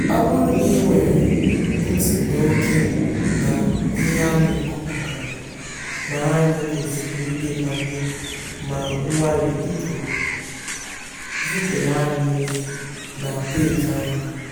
Ọ bụrụ na i nwere ntinye oke na ihe a na-ekwu maka ya na anyị kwesiri idebanye ma nwale biko zitere anyị ozi na peeji anyị.